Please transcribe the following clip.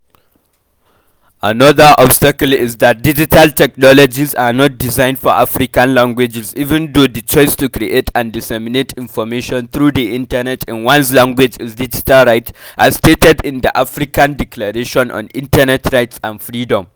Another obstacle is that digital technologies are not designed for African languages, even though the “choice to create and disseminate information through the internet” in one’s language is digital right, as stated in the African Declaration on Internet Rights and Freedom.